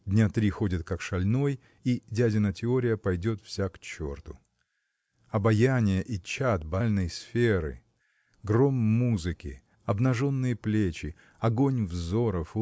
дня три ходит как шальной – и дядина теория пойдет вся к черту. Обаяние и чад бальной сферы гром музыки обнаженные плечи огонь взоров